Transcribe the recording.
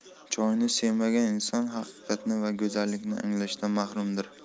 choyni sevmagan inson haqiqatni va go'zallikni anglashdan mahrumdir